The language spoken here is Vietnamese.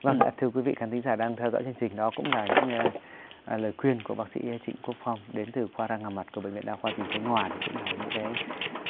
vâng ạ thưa quý vị khán thính giả đang theo dõi chương trình đó cũng là những nghe lời khuyên của bác sĩ trịnh quốc phong đến từ khoa răng hàm mặt của bệnh viện đa khoa tỉnh khánh hòa thì cũng là những cái